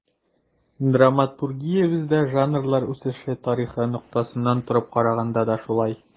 Драматургиябездә жанрлар үсеше тарихы ноктасынан торып караганда да шулай.